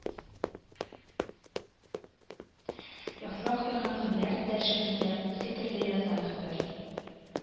Яфрак ярган гөлләр дә шигырьдә ике төрле яздан хәбәр